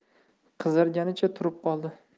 qizarganicha turib qoldi